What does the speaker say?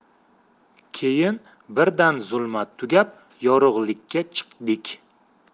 keyin birdan zulmat tugab yorug'likka chiqdik